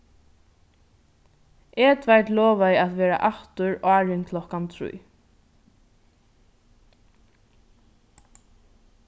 edvard lovaði at vera aftur áðrenn klokkan trý